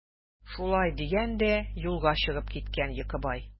Шулай дигән дә юлга чыгып киткән Йокыбай.